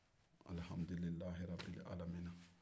arabe